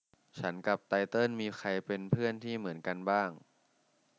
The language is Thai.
ฉันกับไตเติ้ลมีใครเป็นเพื่อนที่เหมือนกันบ้าง